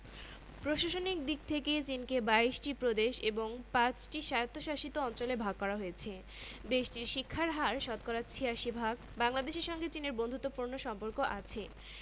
আগ্রার তাজমহল দিল্লির কুতুব মিনার লালকেল্লা প্রভৃতি ভারতের প্রাচীন সভ্যতার পরিচয় বহন করেযুগে যুগে বিভিন্ন বৈদেশিক শক্তি ভারতবর্ষকে দখল করেছে এখানে তাদের শাসন ও শোষণ চালিয়েছে